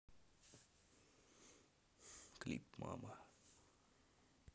клип мама